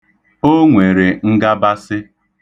O nwere ngabasị.